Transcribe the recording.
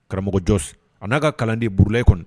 Karamɔgɔjɔ a n'a ka kalan di burulen kɔnɔ